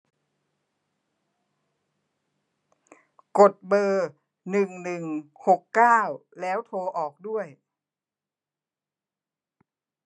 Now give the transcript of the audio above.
กดเบอร์หนึ่งหนึ่งหกเก้าแล้วโทรออกด้วย